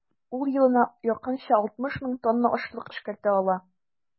Ул елына якынча 60 мең тонна ашлык эшкәртә ала.